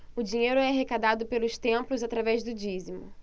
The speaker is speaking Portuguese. o dinheiro é arrecadado pelos templos através do dízimo